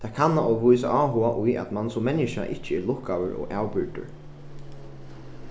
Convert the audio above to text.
tær kanna og vísa áhuga í at mann sum menniskja ikki er lukkaður og avbyrgdur